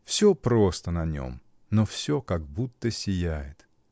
Всё просто на нем, но всё как будто сияет.